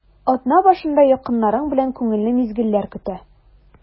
Атна башында якыннарың белән күңелле мизгелләр көтә.